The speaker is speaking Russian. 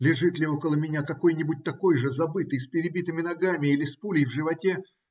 Лежит ли около меня какой-нибудь такой же забытый, с перебитыми ногами или с пулей в животе?